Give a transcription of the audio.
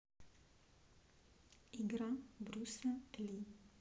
игра брюса ли